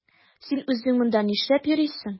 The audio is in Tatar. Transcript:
Син үзең монда нишләп йөрисең?